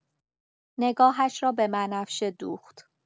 نگاهش را به بنفشه دوخت.